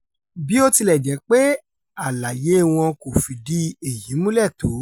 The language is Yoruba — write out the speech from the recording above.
Bí ó tilẹ̀ jẹ́ pé àlàyé wọn kò fìdí èyí múlẹ̀ tó: